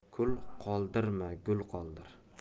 kul qoldirma gul qoldir